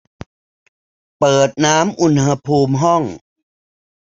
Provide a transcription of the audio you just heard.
เปิดน้ำอุณหภูมิห้อง